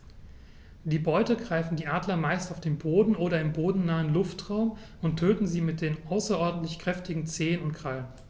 Die Beute greifen die Adler meist auf dem Boden oder im bodennahen Luftraum und töten sie mit den außerordentlich kräftigen Zehen und Krallen.